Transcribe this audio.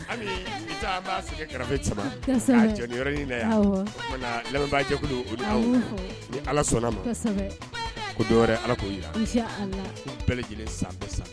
Hali kɛrɛfɛjɛ ni ala sɔnna ala ko bɛɛ lajɛlen